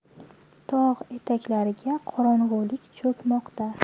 tog' etaklariga qorong'ulik cho'kmoqda